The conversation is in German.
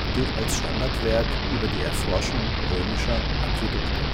gilt als Standardwerk über die Erforschung römischer Aquädukte